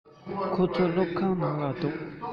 ཁོ ཚོ སློབ ཁང ནང ལ འདུག